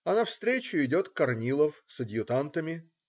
А навстречу идет Корнилов с адъютантами.